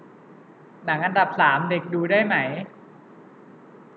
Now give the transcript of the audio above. หนังอันดับสามเด็กดูได้ไหม